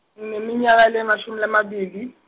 ngineminyaka lemashumi lamabili.